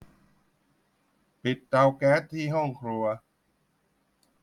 ปิดเตาแก๊สที่ห้องครัว